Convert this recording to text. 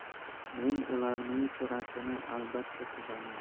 men ularning suratini albatta chizaman